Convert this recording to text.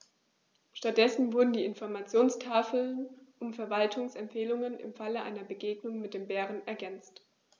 Stattdessen wurden die Informationstafeln um Verhaltensempfehlungen im Falle einer Begegnung mit dem Bären ergänzt.